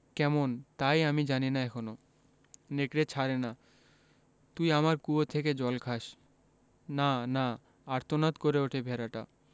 কেমন তাই আমি জানি না এখনো নেকড়ে ছাড়ে না তুই আমার কুয়ো থেকে জল খাস না না আর্তনাদ করে ওঠে ভেড়াটা